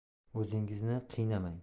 o'zingizni qiynamang